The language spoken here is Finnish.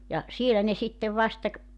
ja siellä ne sitten vasta -